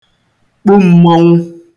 kpu m̄mọ̄nwụ̄